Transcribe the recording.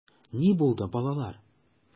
Ни булды, балалар?